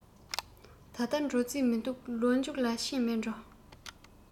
ད ལྟ འགྲོ རྩིས མི འདུག ལོ མཇུག ལ ཕྱིན མིན འགྲོ